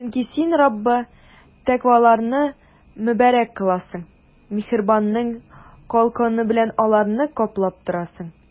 Чөнки Син, Раббы, тәкъваларны мөбарәк кыласың, миһербаның калканы белән аларны каплап торасың.